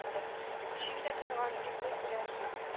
Җил дә тынган, йоклый, күрәсең.